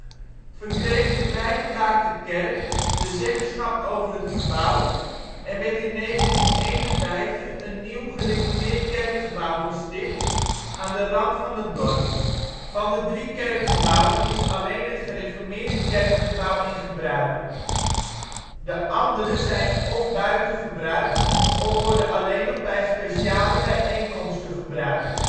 verkreeg de vrijgemaakte kerk de zeggenschap over het gebouw en werd in 1951 een nieuw gereformeerd kerkgebouw gesticht aan de rand van het dorp. Van de drie kerkgebouwen is alleen het gereformeerde kerkgebouw in gebruik. De anderen zijn of buiten gebruik of worden alleen nog bij speciale bijeenkomsten gebruikt